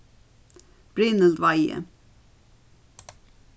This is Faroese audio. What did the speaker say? brynhild weihe